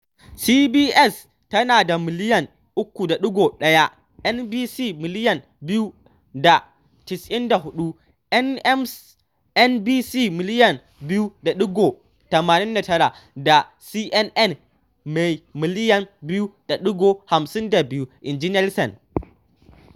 CBS tana da miliyan 3.1, NBC miliyan 2.94, MSNBC miliyan 2.89 da CNN mai miliyan 2.52, inji Nielsen.